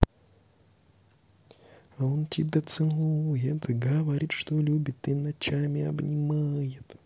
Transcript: а он тебя целует говорит что любит и ночами обнимает